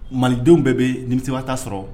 Malidenw bɛɛ bɛ nimibaa taa sɔrɔ